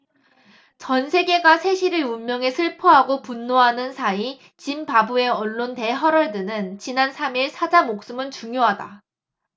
전세계가 세실의 운명에 슬퍼하고 분노하는 사이 짐바브웨 언론 더헤럴드는 지난 삼 일 사자 목숨은 중요하다